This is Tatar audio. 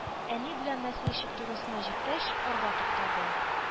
Әни белән носильщик турысына җиткәч, арба туктады.